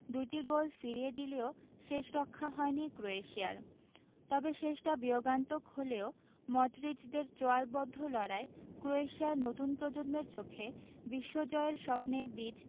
দুটি গোল ফিরিয়ে দিলেও শেষরক্ষা হয়নি ক্রোয়েশিয়ার তবে শেষটা বিয়োগান্তক হলেও মডরিচদের চোয়ালবদ্ধ লড়াই ক্রোয়েশিয়ার নতুন প্রজন্মের চোখে বিশ্বজয়ের স্বপ্নে বীজ